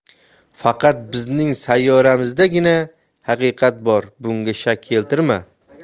faqat bizning sayyoramizdagina haqiqat bor bunga shak keltirma